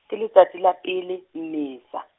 ke le tsatsi la pele, Mmesa.